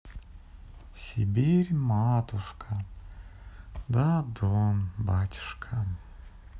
сибирь матушка да дон батюшка